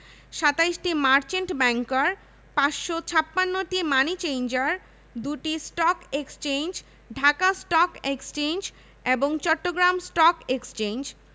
১৬দশমিক ৪ কোটি টাকা বাংলাদেশ সমবায় ব্যাংক সকল ধরনের সমবায় প্রতিষ্ঠানের শীর্ষ সমন্বয়কারী ও নিয়ন্ত্রণ সংস্থা এছাড়াও প্রায় ১ হাজার ২০০ এনজিও